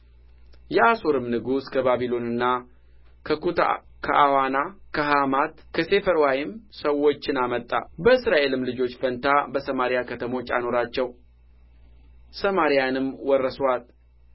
የአሦርም ንጉሥ ከባቢሎንና ከኩታ ከአዋና ከሐማት ከሴፈርዋይም ሰዎችን አመጣ በእስራኤልም ልጆች ፋንታ በሰማርያ ከተሞች አኖራቸው ሰማርያንም ወረሱአት